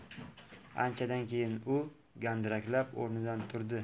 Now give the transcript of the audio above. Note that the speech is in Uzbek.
anchadan keyin u gandiraklab o'rnidan turdi